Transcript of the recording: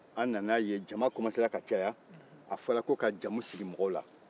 an nan'a ye jama bɛka caya a fɔra ko ka jamu sigi mɔgɔw la